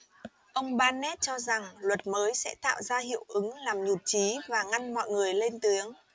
ông barnes cho rằng luật mới sẽ tạo ra hiệu ứng làm nhụt chí và ngăn mọi người lên tiếng